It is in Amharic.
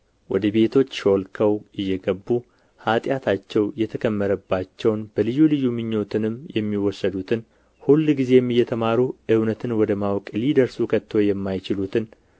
ወደ ቤቶች ሾልከው እየገቡ ኃጢአታቸው የተከመረባቸውን በልዩ ልዩ ምኞትንም የሚወሰዱትን ሁልጊዜም እየተማሩ እውነትን ወደ ማወቅ ሊደርሱ ከቶ የማይችሉትን